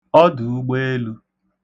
ọdụ̀ụgbeelū